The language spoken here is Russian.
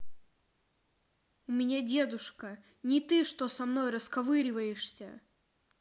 у меня дедушка ни ты что со мной расковыриваешь